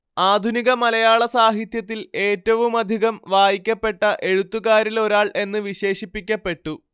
ആധുനിക മലയാള സാഹിത്യത്തിൽ ഏറ്റവുമധികം വായിക്കപ്പെട്ട എഴുത്തുകാരിലൊരാൾ എന്ന് വിശേഷിപ്പിക്കപ്പെട്ടു